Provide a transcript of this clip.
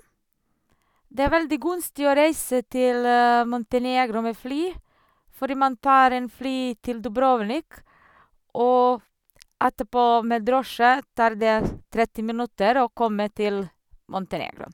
Det er veldig gunstig å reise til Montenegro med fly fordi man tar en fly til Dubrovnik og f etterpå med drosje tar det tretti minutter å komme til Montenegro.